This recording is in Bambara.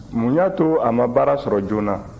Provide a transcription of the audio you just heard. mun y'a to a ma baara sɔrɔ joona